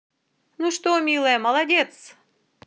ну что милая молодец